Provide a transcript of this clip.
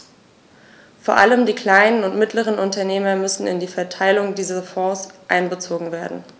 Vor allem die kleinen und mittleren Unternehmer müssen in die Verteilung dieser Fonds einbezogen werden.